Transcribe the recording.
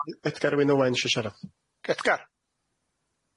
Edgar Wyn Owen isio siarad. Edgar.